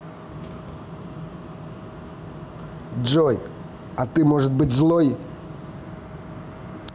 джой а ты можешь быть злой